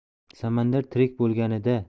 samandar tirik bo'lganida